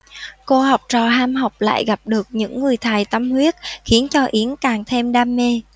cô học trò ham học lại gặp được những người thầy tâm huyết khiến cho yến càng thêm đam mê